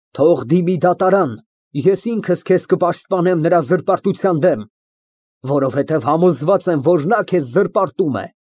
Թող դիմի դատարան, ես ինքս քեզ կպաշտպանեմ նրա զրպարտության դեմ, որովհետև համոզված եմ, որ նա քեզ զրպարտում է։